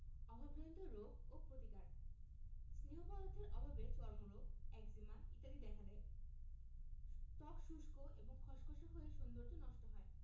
অভাবজনিত রোগ ও প্রতিকার স্নেহ পদার্থের অভাবে চর্মরোগ একজিমা ইত্যাদি দেখা দেয় ত্বক শুষ্ক এবং খসখসে হয়ে সৌন্দর্য নষ্ট হয়